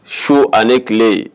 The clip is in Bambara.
Su ani ni tile ye